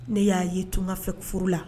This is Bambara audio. Ne y'a ye tungafɛ furu la